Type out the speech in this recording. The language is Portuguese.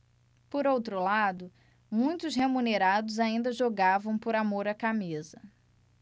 por outro lado muitos remunerados ainda jogavam por amor à camisa